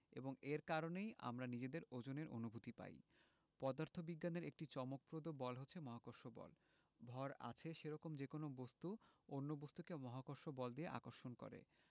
এবং এর কারণেই আমরা নিজেদের ওজনের অনুভূতি পাই পদার্থবিজ্ঞানের একটি চমকপ্রদ বল হচ্ছে মহাকর্ষ বল ভর আছে সেরকম যেকোনো বস্তু অন্য বস্তুকে মহাকর্ষ বল দিয়ে আকর্ষণ করে